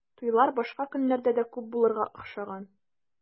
Туйлар башка көннәрдә дә күп булырга охшаган.